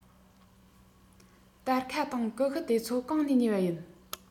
སྟར ཁ དང ཀུ ཤུ དེ ཚོ གང ནས ཉོས པ ཡིན